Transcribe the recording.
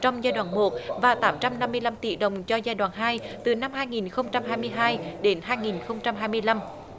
trong giai đoạn một và tám trăm năm mươi lăm tỷ đồng cho giai đoạn hai từ năm hai nghìn không trăm hai mươi hai đến hai nghìn không trăm hai mươi lăm